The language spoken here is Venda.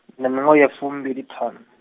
ndi na miṅwaha ya fumbiliṱhanu.